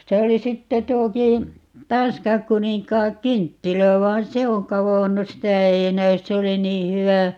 se oli sitten tuokin tanskankuninkaankynttilä vaan se on kadonnut sitä ei näy se oli niin hyvä